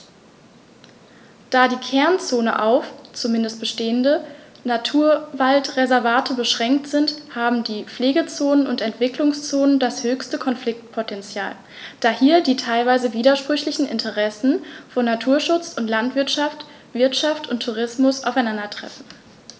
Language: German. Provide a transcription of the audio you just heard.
Da die Kernzonen auf – zumeist bestehende – Naturwaldreservate beschränkt sind, haben die Pflegezonen und Entwicklungszonen das höchste Konfliktpotential, da hier die teilweise widersprüchlichen Interessen von Naturschutz und Landwirtschaft, Wirtschaft und Tourismus aufeinandertreffen.